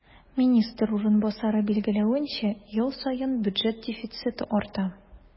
Министр урынбасары билгеләвенчә, ел саен бюджет дефициты арта.